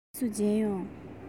རྗེས སུ མཇལ ཡོང